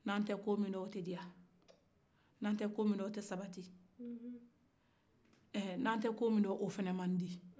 n'an tɛ ko minna o tɛ diya n'an tɛ ko minna o tɛ sabati n'an tɛ ko minna o tɛ sabati